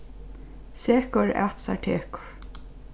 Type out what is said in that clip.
sekur at sær tekur